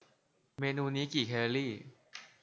เมนูนี้กี่แคลอรี่